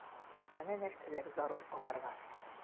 Менә нәрсәләр зарур аларга...